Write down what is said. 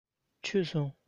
མཆོད སོང